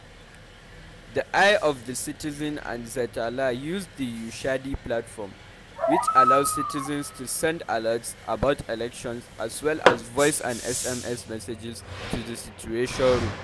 The Eye of the Citizen and Txeka-lá use the Ushahidi platform (meaning “testimony” in Swahili), which allows citizens to send alerts about elections, as well as voice and SMS messages, to the ”situation room”.